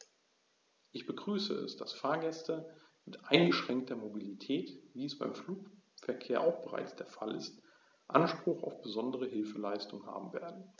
Ich begrüße es, dass Fahrgäste mit eingeschränkter Mobilität, wie es beim Flugverkehr auch bereits der Fall ist, Anspruch auf besondere Hilfeleistung haben werden.